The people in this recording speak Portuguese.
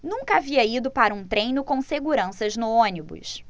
nunca havia ido para um treino com seguranças no ônibus